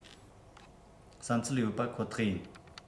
བསམ ཚུལ ཡོད པ ཁོ ཐག ཡིན